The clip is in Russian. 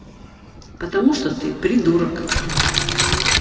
потому что ты придурок